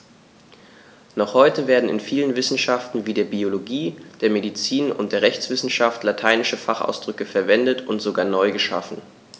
Noch heute werden in vielen Wissenschaften wie der Biologie, der Medizin und der Rechtswissenschaft lateinische Fachausdrücke verwendet und sogar neu geschaffen.